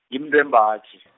ngi wembaji .